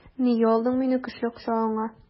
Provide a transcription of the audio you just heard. Нигә алдың мине көчле кочагыңа?